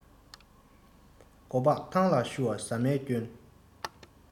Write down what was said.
མགོ སྤགས ཐང ལ བཤུ བ ཟ མའི སྐྱོན